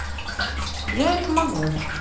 я это могу